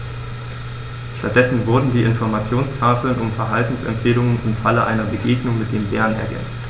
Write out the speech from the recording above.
Stattdessen wurden die Informationstafeln um Verhaltensempfehlungen im Falle einer Begegnung mit dem Bären ergänzt.